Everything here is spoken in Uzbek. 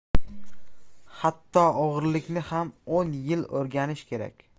hatto o'g'rilikni ham o'n yil o'rganish kerak